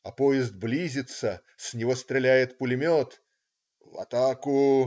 А поезд близится, с него стреляет пулемет. "В атаку!